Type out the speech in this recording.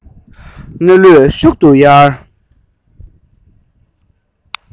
སྣ ལུད ཤུགས ཀྱིས ཡར